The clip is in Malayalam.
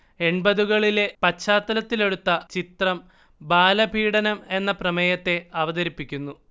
എൺപതുകളിലെ പശ്ചാത്തലത്തിലെടുത്ത ചിത്രം ബാലപീഡനം എന്ന പ്രമേയത്തെ അവതരിപ്പിക്കുന്നു